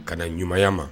Ka na ɲumanya ma